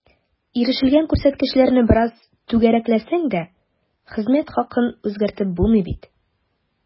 Ирешелгән күрсәткечләрне бераз “түгәрәкләсәң” дә, хезмәт хакын үзгәртеп булмый бит.